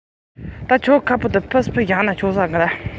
རང ཉིད མི བདེ བ མ ཟད